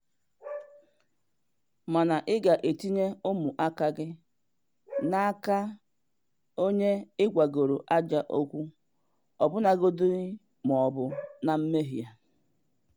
“Mana ị ga-etinye ụmụaka gị n’aka onye ị gwagoro ajọ okwu, ọbụlagodi na ọ bụ na mmehie?